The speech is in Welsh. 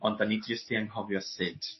Ond 'dan ni jyst 'di anghofio sut.